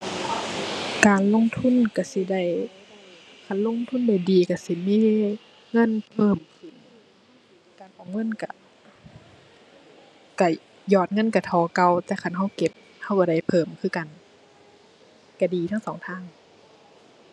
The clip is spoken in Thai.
การลงทุนก็สิได้ คันลงทุนดีดีก็สิมีเงินเพิ่มขึ้น การออมเงินก็ ก็ยอดเงินก็เท่าเก่า แต่คันก็เก็บก็ก็ได้เพิ่มคือกัน ก็ดีทั้งสองทาง